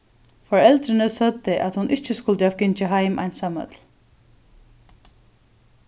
foreldrini søgdu at hon skuldi ikki havt gingið heim einsamøll